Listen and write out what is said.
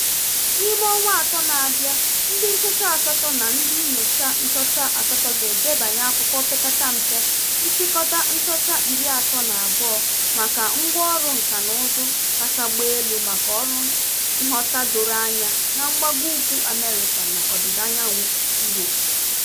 N'ime ọnwa atọ na-abịa, ndị nchọcha asatọ na ndị nnyocha nchọcha asatọ ga-edebanye akwụkwọ opekata mpe nchịkọta nchọcha 32 maka ngwáọrụ nkànaụzụ kacha gba elu maka ọrụ nghọta doro anya na mgbagougwu America na Odịdaanyanwụ Europe.